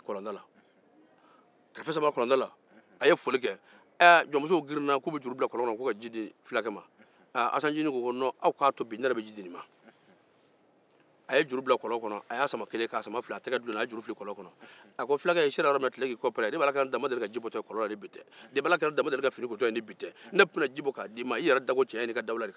jɔnmusow girinna k'u bɛ juru bila kɔlɔn kɔnɔ ka ji di fulakɛ ma aa asan nciinin ko aw k'a to ne yɛrɛ bɛ ji di ninnu ma a ye juru bila kɔlɔn kɔnɔ a y'a sama kelen ka sama fila a tɛgɛ tulonna a ye jurufili a ko fulakɛ i sigira yɔrɔ min tile k'i kɔ pɛrɛn yen depi ala ka ne da ne ma deli ka ji bɔ kɔlɔn na ni bi tɛ depi ala ka ne da n ma deli ka fini kotɔ ye ni bi tɛ ne tun bɛna ji bɔ k'a di i ma i yɛrɛ cɛɲa ni i ka dawula kama